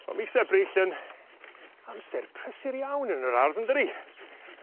Ma' mis Ebrill yn amser prysur iawn yn yr ardd yndydi?